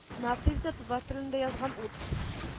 Нациясендә татар телендә язган ут